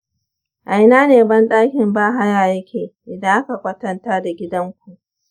a ina ne bandakin bahaya yake idan aka kwatanta da gidan ku?